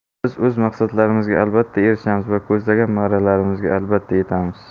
biz o'z maqsadlarimizga albatta erishamiz va ko'zlagan marralarimizga albatta yetamiz